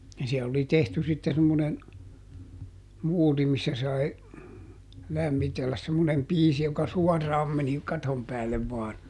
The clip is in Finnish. ja siellä oli tehty sitten semmoinen muuri missä sai lämmitellä semmoinen piisi joka suoraan meni katon päälle vain